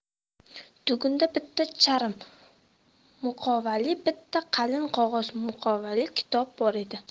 tugunda bitta charm muqovali bitta qalin qog'oz muqovali kitob bor edi